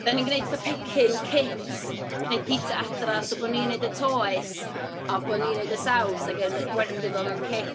Dan ni'n gwneud fatha pecyn cit gwneud pitsa adra, so bo' ni'n wneud y toes a bo' ni'n wneud y saws ac yn gwerthu fo mewn cit.